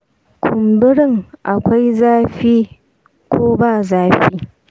kumburin akwai zafi ko ba zafi?